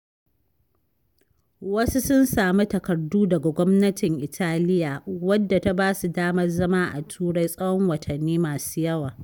Wasu sun samu takardu daga Gwamnatin Italia, wadda ta ba su damar zama a Turai tsawon watanni masu yawa.